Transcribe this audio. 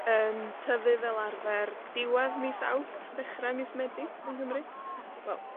yn tyfu fel arfer, diwadd mis Awst, dechra mis Medi, yng Nghymru. Wel,